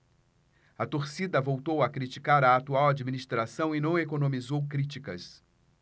a torcida voltou a criticar a atual administração e não economizou críticas